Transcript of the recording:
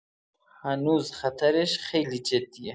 هنوز خطرش خیلی جدیه.